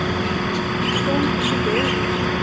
tú gongur so berur